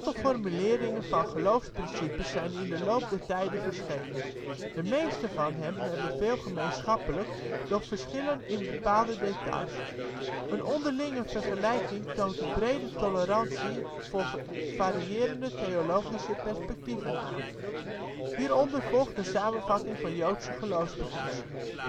formuleringen van geloofsprincipes zijn in de loop der tijden verschenen; de meesten van hen hebben veel gemeenschappelijk, doch verschillen in bepaalde details. Een onderlinge vergelijking toont een brede tolerantie voor variërende theologische perspectieven aan. Hieronder volgt een samenvatting van joodse geloofsbeginselen